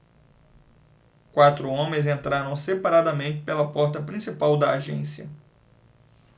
quatro homens entraram separadamente pela porta principal da agência